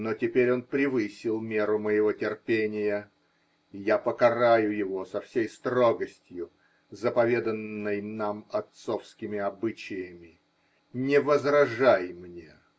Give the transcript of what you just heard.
Но теперь он превысил меру моего терпения, и я покараю его со всей строгостью, заповеданной нам отцовскими обычаями. Не возражай мне!